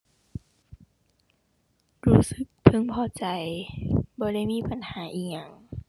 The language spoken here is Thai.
รู้สึกพึงพอใจ บ่ได้มีปัญหาอิหยัง